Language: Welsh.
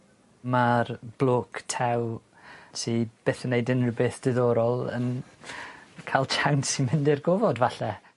Ma'r blôc tew sy byth yn neud unrywbeth ddiddorol yn ca'l tsiawns i mynd i'r gofod falle.